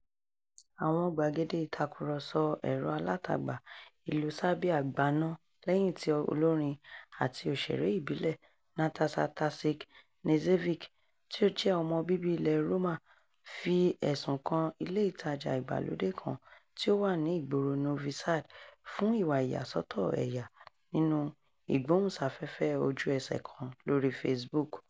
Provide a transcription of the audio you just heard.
Àwọn gbàgede ìtàkùrọ̀sọ ẹ̀rọ-alátagbà ìlú Serbia gbaná lẹ́yìn tí olórin àti òṣèré ìbílẹ̀ Nataša Tasić Knežević, tí ó jẹ́ ọmọ bíbí ilẹ̀ Roma fi ẹ̀sùn kan ilé ìtajà-ìgbàlóde kan tí ó wà ní ìgboro Novi Sad fún ìwà ìyàsọ́tọ̀ ẹ̀yà nínú ìgbóhùnsáfẹ́fẹ́ ojú-ẹsẹ̀ kan lórí Facebook.